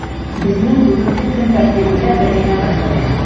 Безнең бүгенге көн тәртибендә бер генә мәсьәлә: